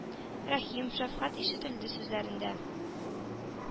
Рәхим, шәфкать ишетелде сүзләрендә.